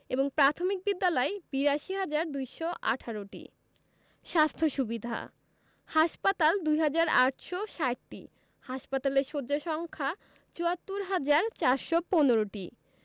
৭৫৬টি এবং প্রাথমিক বিদ্যালয় ৮২হাজার ২১৮টি স্বাস্থ্য সুবিধাঃ হাসপাতাল ২হাজার ৮৬০টি হাসপাতালের শয্যা সংখ্যা ৭৪হাজার ৪১৫টি